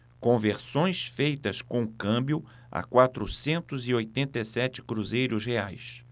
conversões feitas com câmbio a quatrocentos e oitenta e sete cruzeiros reais